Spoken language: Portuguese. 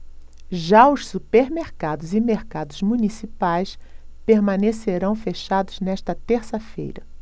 já os supermercados e mercados municipais permanecerão fechados nesta terça-feira